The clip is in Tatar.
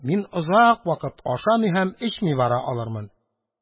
Мин озак вакыт ашамый һәм эчми бара алырмын.